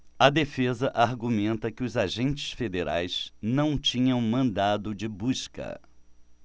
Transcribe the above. a defesa argumenta que os agentes federais não tinham mandado de busca